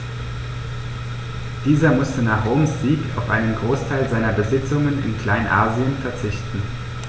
Dieser musste nach Roms Sieg auf einen Großteil seiner Besitzungen in Kleinasien verzichten.